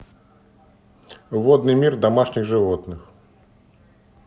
водный мир домашних животных